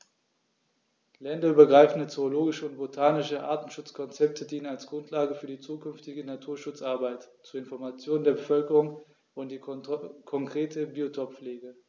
Länderübergreifende zoologische und botanische Artenschutzkonzepte dienen als Grundlage für die zukünftige Naturschutzarbeit, zur Information der Bevölkerung und für die konkrete Biotoppflege.